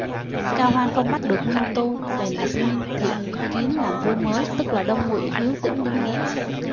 cao hoan không bắt được nguyên tu bèn lập nguyên thiện kiến làm vua mới tức là đông ngụy hiếu tĩnh đế